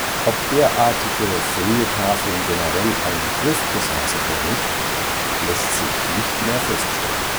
Ob derartige frühe Tafeln generell einen Griff besaßen oder nicht, lässt sich nicht mehr feststellen